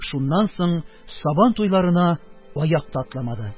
Шуннан соң сабан туйларына аяк та атламады.